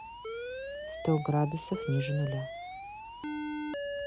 сто градусов ниже нуля